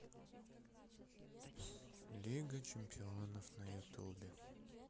лига чемпионов на ютубе